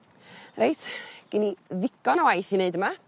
Reit gin i ddigon o waith i neud yma.